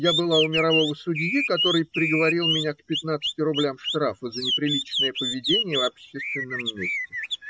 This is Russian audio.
Я была у мирового судьи, который приговорил меня к пятнадцати рублям штрафа за неприличное поведение в общественном месте.